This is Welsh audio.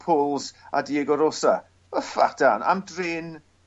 Poels a Diego Rosa*. Yfach dân am drên